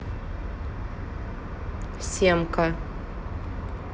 семка